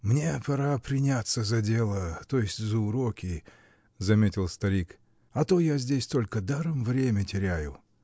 "Мне пора приняться за дело, то есть за уроки, -- заметил старик, -- а то я здесь только даром время теряю".